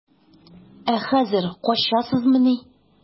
Ә хәзер качасызмыни?